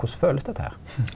korleis følast dette her?